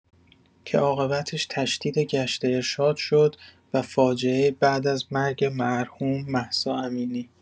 که عاقبتش تشدید گشت ارشاد شد و فاجعه بعد از مرگ مرحوم مهسا امینی